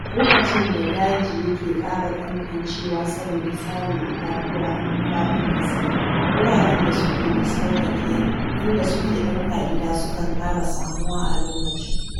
A lokacin da daji yake ƙara ƙanƙancewa saboda sare itatuwa a duk faɗin ƙasar, wuraren da suke da sarƙaƙiya inda suke ɗauka gida sukan ƙara samuwa a lokacin.